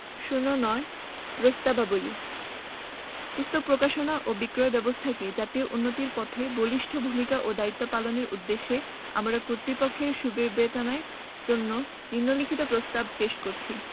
০৯ প্রস্তাবাবলী পুস্তক প্রকাশনা ও বিক্রয় ব্যাবস্থাকে জাতীয় উন্নতির পথে বলিষ্ঠ ভূমিকা ও দায়িত্ব পালনের উদ্দেশ্যে আমরা কর্তৃপক্ষের সুবিবেচনার জন্য নিন্ম লিখিত প্রস্তাব পেশ করছি